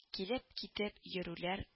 Килеп-китеп йөрүләр